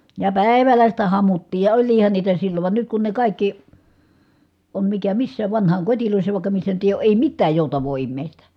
ja päivällä sitä hamuttiin ja olihan niitä silloin vaan nyt kun ne kaikki on mikä missäkin vanhainkodeissa ja vaikka missä nyt ei ole ei mitään joutavaa ihmistä